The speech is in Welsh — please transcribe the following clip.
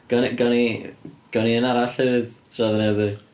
Gawn ni gawn ni gawn ni un arall hefyd tra dan ni ati?